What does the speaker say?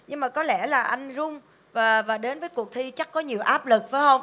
nhưng mà có lẽ là anh run và và đến với cuộc thi chắc có nhiều áp lực phải hông